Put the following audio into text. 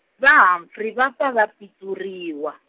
va Humphrey va pfa va pitsuriwa.